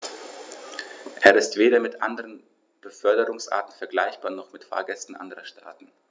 Er ist weder mit anderen Beförderungsarten vergleichbar, noch mit Fahrgästen anderer Staaten.